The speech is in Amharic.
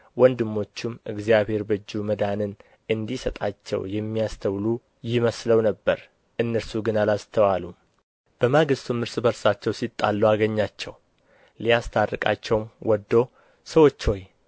ወንድሞቹም እግዚአብሔር በእጁ መዳንን እንዲሰጣቸው የሚያስተውሉ ይመስለው ነበር እነርሱ ግን አላስተዋሉም በማግሥቱም እርስ በርሳቸው ሲጣሉ አገኛቸው ሊያስታርቃቸውም ወዶ ሰዎች ሆይ